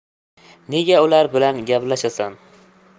nega ular bilan gaplashasan